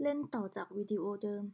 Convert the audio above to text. เล่นต่อจากวิดีโอเดิม